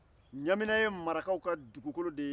ɲamina ye marakaw ka dugukolo de ye